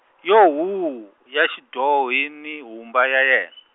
yo huu ya xidyohi ni humbi ya yena.